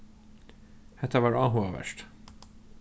hetta var áhugavert